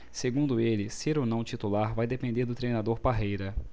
segundo ele ser ou não titular vai depender do treinador parreira